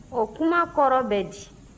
o kuma kɔrɔ bɛ di